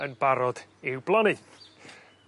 yn barod i'w blannu.